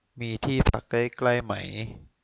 มีที่พักใกล้ใกล้ไหม